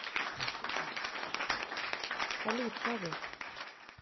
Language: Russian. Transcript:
салют павел